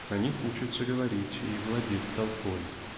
на них учится говорить и владеть толпой.